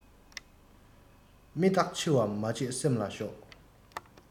མི རྟག འཆི བ མ བརྗེད སེམས ལ ཞོག